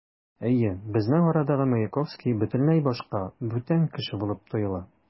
Әйе, безнең арадагы Маяковский бөтенләй башка, бүтән кеше булып тоела.